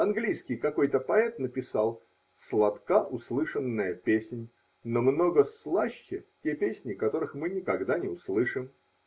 Английский какой-то поэт написал: сладка услышанная песнь -- но много слаще те песни, которых мы никогда не услышим.